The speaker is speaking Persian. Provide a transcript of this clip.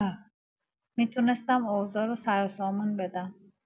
می‌تونستم اوضاع رو سروسامان بدم.